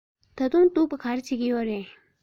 ད དུང སྡུག པ གང བྱེད ཀྱི ཡོད རས